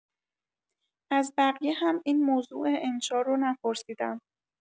از بقیه هم این موضوع انشا رو نپرسیدم